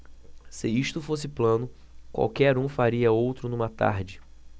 se isso fosse plano qualquer um faria outro numa tarde